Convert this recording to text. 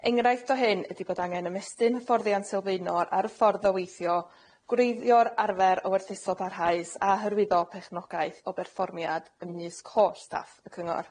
Enghraifft o hyn ydi bod angen ymestyn hyfforddiant sylfaenol ar y ffordd o weithio, gwreiddio'r arfer o werthuso parhaus a hyrwyddo perchnogaeth o berfformiad ymysg holl staff y Cyngor.